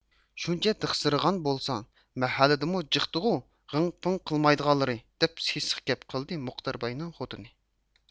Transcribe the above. شۇنچە دىخسىرىغان بولسا مەھەللىدىمۇ جىقتىغۇ غىڭ پىڭ قىلمايدىغانلىرى دەپ سېسىق گەپ قىلدى مۇختەر باينىڭ خوتۇنى